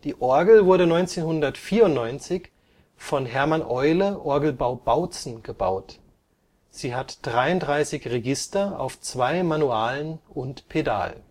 Orgel wurde 1994 von Hermann Eule Orgelbau Bautzen gebaut. Sie hat 33 Register auf zwei Manualen und Pedal